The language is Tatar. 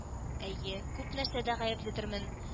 Әйе, күп нәрсәдә гаепледермен